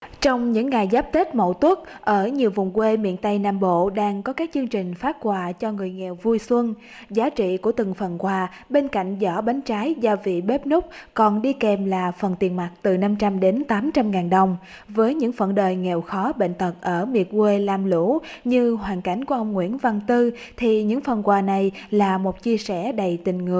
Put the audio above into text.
trong những ngày giáp tết mậu tuất ở nhiều vùng quê miền tây nam bộ đang có các chương trình phát quà cho người nghèo vui xuân giá trị của từng phần qua bên cạnh giỏ bánh trái gia vị bếp núc còn đi kèm là phần tiền mặt từ năm trăm đến tám trăm ngàn đồng với những phận đời nghèo khó bệnh tật ở miệt quê lam lũ như hoàn cảnh của ông nguyễn văn tư thì những phần quà này là một chia sẻ đầy tình người